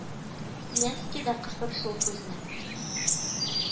Ленский да, кысып сул күзне